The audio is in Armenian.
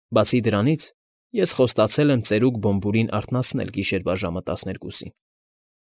Բացի դրանից, ես խոստացել եմ ծերուկ Բոմբուրին արթնացնել գիշերվա ժամը տասներկուսին։